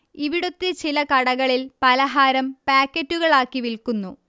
ഇവിടുത്തെ ചില കടകളിൽ പലഹാരം പായ്ക്കറ്റുകളാക്കി വിൽക്കുന്നു